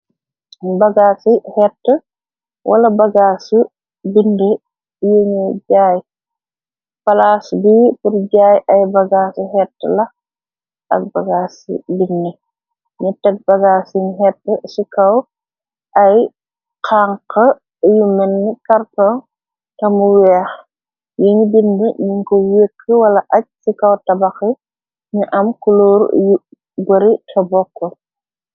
Bagaas ci hette wala bagaa ci bind yiñu jaay palaas bi bur jaay ay bagaa ci hette la ak bagaas ci bindi ni teg bagaas ciñ xett ci kaw ay xank yu menn karton tamu weex yin bind nuñ ko wekk wala aj ci kaw tabaxi ñu am kulóor yu bari te bokkul.